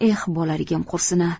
eh bolaligim qursin a